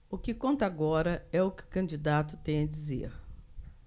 o que conta agora é o que o candidato tem a dizer